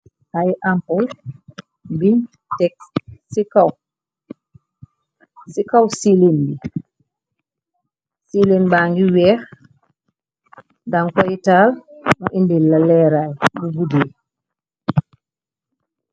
Ay ample buñ tek ci kaw celin bi.cilin ba ngi wéex dan koy taal mu indil la leeraay bu guddeey.